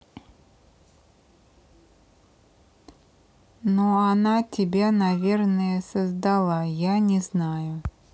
но она тебя наверное создала я не знаю